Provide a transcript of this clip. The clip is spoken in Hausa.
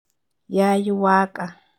Ya yi waƙa: